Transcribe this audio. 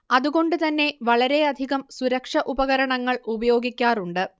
അതുകൊണ്ട് തന്നെ വളരെയധികം സുരക്ഷ ഉപകരണങ്ങൾ ഉപയോഗിക്കാറുണ്ട്